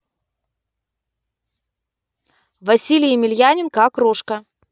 василий емельяненко окрошка